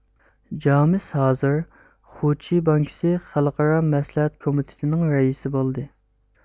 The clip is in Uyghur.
جامېس ھازىر خۇچىي بانكىسى خەلقئارا مەسلىھەت كومىتېتىنىڭ رەئىسى بولدى